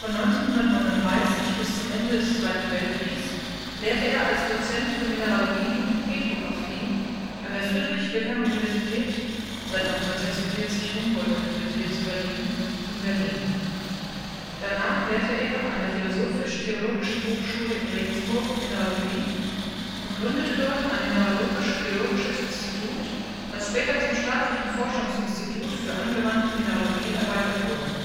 1939 bis zum Ende des Zweiten Weltkriegs lehrte er als Dozent für Mineralogie und Petrographie an der Friedrich-Wilhelm-Universität (seit 1946 Humboldt-Universität zu Berlin) in Berlin. Danach lehrte er an der Philosophisch-Theologischen Hochschule in Regensburg Mineralogie und gründete dort ein Mineralogisch-Geologisches Institut, das später zum Staatlichen Forschungsinstitut für angewandte Mineralogie erweitert wurde